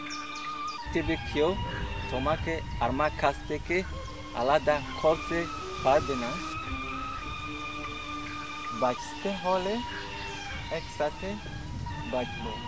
পৃথিবীর কেউ আমাকে তোমার কাছ থেকে আলাদা করতে পারবে না বাঁচতে হলে একসাথে বাঁচবো